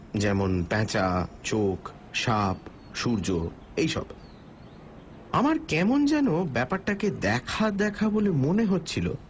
যেমন প্যাঁচা চোখ সাপ সূর্য এইসব আমার কেমন যেন ব্যাপারটাকে দেখা দেখা বলে মনে হচ্ছিল